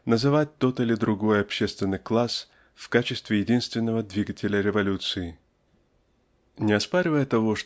называть тот или другой общественный класс в качестве единственного двигателя революции. Не оспаривая того